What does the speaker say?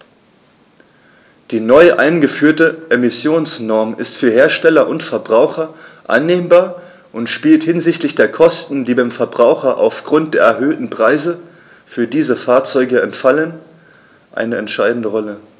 Die neu eingeführte Emissionsnorm ist für Hersteller und Verbraucher annehmbar und spielt hinsichtlich der Kosten, die beim Verbraucher aufgrund der erhöhten Preise für diese Fahrzeuge anfallen, eine entscheidende Rolle.